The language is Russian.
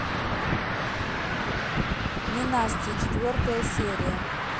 ненастье четвертая серия